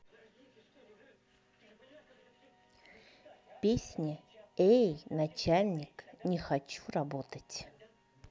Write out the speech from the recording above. песня эй начальник не хочу работать